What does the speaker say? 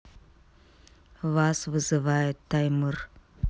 вас вызывает таймыр